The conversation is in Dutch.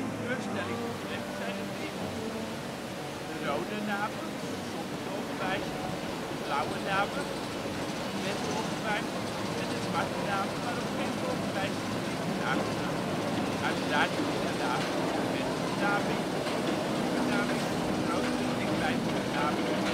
kleurstelling betreft zijn er drie opties: de rode namen (nog) zonder doorverwijzing de blauwe namen met doorverwijzing de zwarte namen, waarop geen doorverwijzingslink is aangebracht. Uiteraard heb je hiernaast ook de vette benaming, de cursieve benaming, grotere en kleinere benamingen